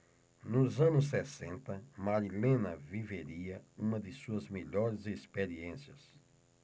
nos anos sessenta marilena viveria uma de suas melhores experiências